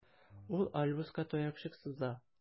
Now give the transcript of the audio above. Ул Альбуска таякчык суза.